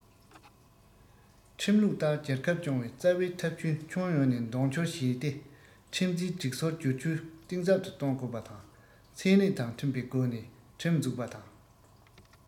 ཁྲིམས ལུགས ལྟར རྒྱལ ཁབ སྐྱོང བའི རྩ བའི ཐབས ཇུས ཁྱོན ཡོངས ནས དོན འཁྱོལ བྱས ཏེ ཁྲིམས འཛིན སྒྲིག སྲོལ སྒྱུར བཅོས གཏིང ཟབ ཏུ གཏོང དགོས པ དང ཚན རིག དང མཐུན པའི སྒོ ནས ཁྲིམས འཛུགས པ དང